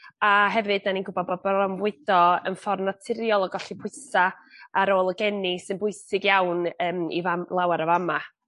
A hefyd 'dan ni'n gwbo bo' bronfwydo yn ffor naturiol o golli pwysa' ar ôl y geni sy'n bwysig iawn yym i fam- lawar o fama'.